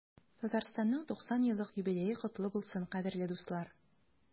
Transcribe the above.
Татарстанның 90 еллык юбилее котлы булсын, кадерле дуслар!